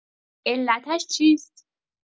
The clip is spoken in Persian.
علتش چیست؟